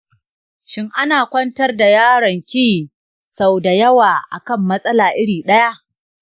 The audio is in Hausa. shin ana kwantar da yaron ki sau dayawa akan matsala iri ɗaya?